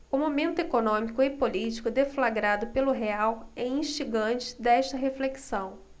o momento econômico e político deflagrado pelo real é instigante desta reflexão